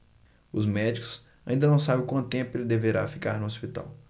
os médicos ainda não sabem quanto tempo ele deverá ficar no hospital